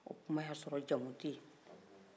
o tuma y'a sɔrɔ jamu tɛye